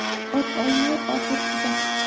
ot olmay oxur tuzat